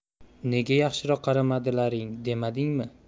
nega yaxshiroq qaramadilaring demadingmi